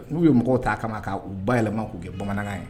N'u ye mɔgɔw t'a kama ka u bayɛlɛma k'u kɛ bamanankan ye